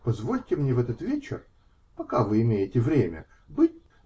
позвольте мне в этот вечер, пока вы имеете время, быть.